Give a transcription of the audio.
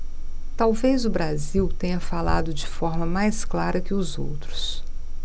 talvez o brasil tenha falado de forma mais clara que os outros